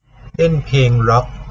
เล่นเพลงร็อค